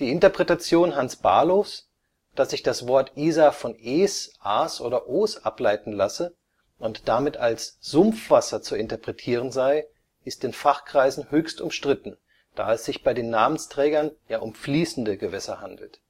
Interpretation Hans Bahlows, dass sich das Wort Isar von es, as oder os ableiten lasse und damit als „ Sumpfwasser “zu interpretieren sei, ist in Fachkreisen höchst umstritten, da es sich bei den Namensträgern ja um fließende Gewässer handelt